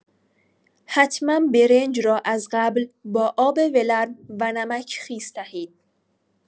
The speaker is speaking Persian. حتما برنج را از قبل با آب ولرم و نمک خیس دهید.